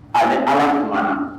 A bɛ ala u ɲɔgɔn